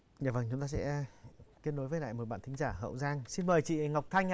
dạ vâng chúng ta sẽ kết nối với lại một bạn thính giả hậu giang xin mời chị ngọc thanh ạ